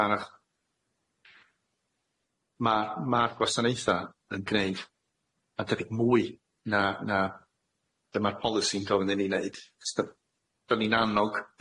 g'narach ma' ma'r gwasanaetha yn gneud a debyg mwy na na dyma'r polisi'n gofyn i ni neud, jyst yy da ni'n annog,